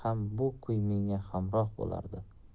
bu kuy menga hamroh bo'lardi